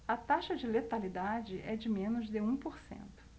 a taxa de letalidade é de menos de um por cento